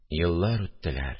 Еллар үттеләр